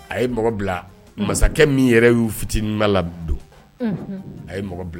A ye mɔgɔ bila masakɛ min yɛrɛ y'u fitininma ladon a ye mɔgɔ bila